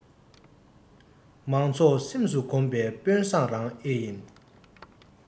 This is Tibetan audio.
མང ཚོགས སེམས སུ བསྒོམས པའི དཔོན བཟང རང ཨེ ཡིན